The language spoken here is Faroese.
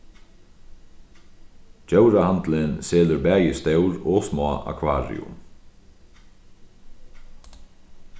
djórahandilin selur bæði stór og smá akvarium